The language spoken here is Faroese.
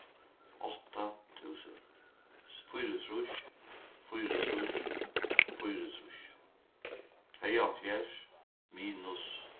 átta túsund fýraogtrýss fýraogtrýss fýraogtrýss tveyoghálvfjerðs minus